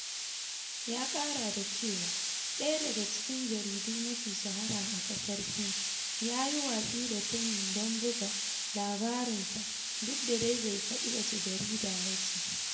Ya kara da cewa "daya daga cikin jaridu mafi shahara a kasar Sin ya yi watsi da tayin don buga" labarinsa, duk da dai bai fadi wace jarida ce ba.